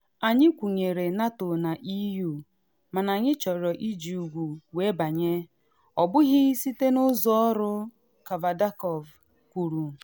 “Anyị kwụnyere NATO na EU, mana anyị chọrọ iji ugwu wee banye, ọbụghị site n’ụzọ ọrụ” Kavadarkov kwuru.